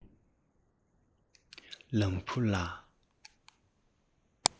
ལམ བུ ལ